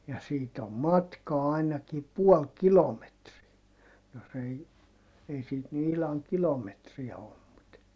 ja siitä on matkaa ainakin puoli kilometriä jos ei ei siitä nyt ihan kilometriä ollut mutta